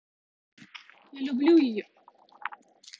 я люблю ее